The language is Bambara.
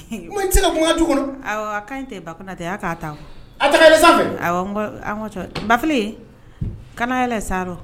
Ko n tɛ ka du kɔnɔ' tɛ ba ko ta'a'a ta bakelen kana yala sa rɔ